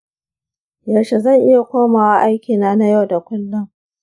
yaushe zan iya komawa aikina na yau da kullum?